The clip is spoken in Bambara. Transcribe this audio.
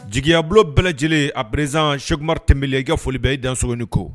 Jigiyabolo bɛɛ lajɛlen aerez sɛkumaru tɛmɛnb ka folioli bɛ i dansooni ko